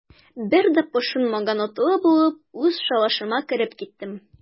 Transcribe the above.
Бер дә пошынмаган атлы булып, үз шалашыма кереп киттем.